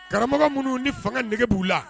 Karamɔgɔ minnu ni fanga nɛgɛge b'u la